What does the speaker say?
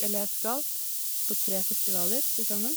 eller Jeg skal på tre festivaler til sammen.